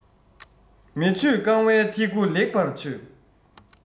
མི ཆོས རྐང བའི ཐི གུ ལེགས པར ཆོད